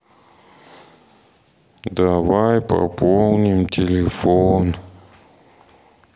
давай пополним телефон